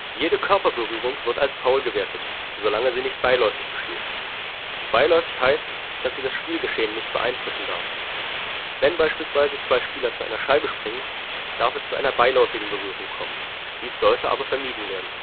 Jede Körperberührung wird als Foul gewertet, solange sie nicht beiläufig geschieht. Beiläufig heißt, dass sie das Spielgeschehen nicht beeinflussen darf. Wenn beispielsweise zwei Spieler zu einer Scheibe springen, darf es zu einer beiläufigen Berührung kommen. Dies sollte aber vermieden werden